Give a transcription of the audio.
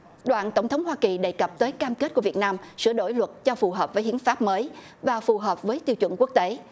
đoạn tổng thống hoa kỳ đề cập tới cam kết của việt nam sửa đổi luật cho phù hợp với hiến pháp mới và phù hợp với tiêu chuẩn quốc tế